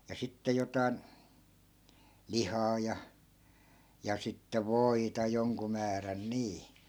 ja sitten jotakin lihaa ja ja sitten voita jonkun määrän niin